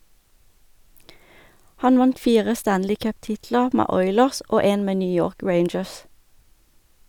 Han vant fire Stanley Cup-titler med Oilers, og en med New York Rangers.